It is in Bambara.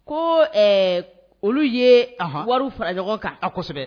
Ko olu ye wari fara ɲɔgɔn kan a kosɛbɛ